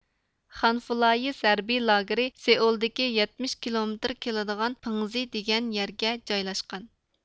خانفۇلايىس ھەربىي لاگېرى سېئۇلدىكى يەتمىش كىلومېتىر كېلىدىغان پىڭزې دېگەن يەرگە جايلاشقان